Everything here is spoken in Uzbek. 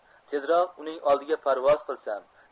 tezroq uning oldiga parvoz qilsam